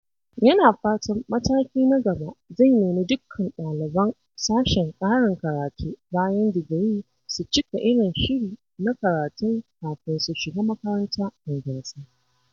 Yana fatan mataki na gaba, zai nemi dukkan ɗaliban sashen ƙarin karatu bayan digiri su cika irin shiri na karatun kafin su shiga makaranta mai gasar.